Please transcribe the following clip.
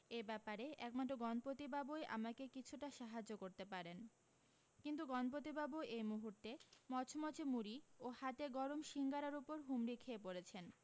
এ ব্যাপারে একমাত্র গণপতিবাবুই আমাকে কিছুটা সাহায্য করতে পারেন কিন্তু গণপতিবাবু এই মূহুর্তে মচমচে মুড়ি ও হাতে গরম সিঙাড়ার উপর হুমড়ি খেয়ে পড়েছেন